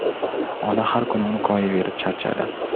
ona har kuni uni koyiyverib charchadi